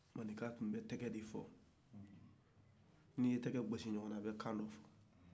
mande ka tun bɛ tɛgɛ de fɔ n'i ye tɛgɛ gosi ɲɔgɔna a bɛ manka dɔ di